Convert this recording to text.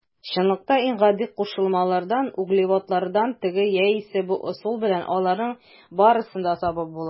Чынлыкта иң гади кушылмалардан - углеводородлардан теге яисә бу ысул белән аларның барысын да табып була.